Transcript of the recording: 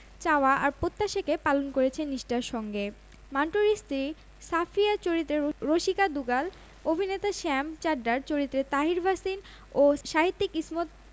চাওয়া আর প্রত্যাশাকে পালন করেছেন নিষ্ঠার সঙ্গে মান্টোর স্ত্রী সাফিয়া চরিত্রে রসিকা দুগাল অভিনেতা শ্যাম চাড্ডার চরিত্রে তাহির ভাসিন ও সাহিত্যিক ইসমত